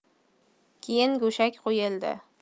keyin go'shak qo'yildi